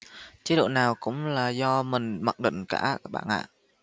chế độ nào cũng là do mình mặc định cả bạn ạ